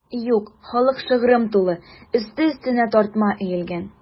Юк, халык шыгрым тулы, өсте-өстенә тартма өелгән.